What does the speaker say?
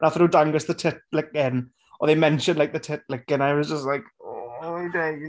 A wnaethon nhw dangos the tit licking. Or they mentioned, like, the tit licking, and I was just like, oh my days.